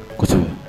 Ko kojugu